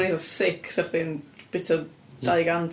eitha sick os 'sa chdi'n bwyta dau gant.